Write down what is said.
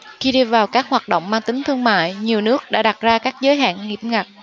khi đi vào các hoạt động mang tính thương mại nhiều nước đã đặt ra các giới hạn nghiêm ngặt